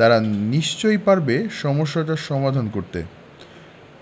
তারা নিশ্চয়ই পারবে সমস্যাটার সমাধান করতে